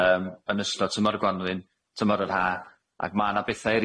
yym yn ystod tymor y Gwanwyn tymor yr Ha ac ma' 'na betha